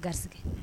Garisɛgɛ!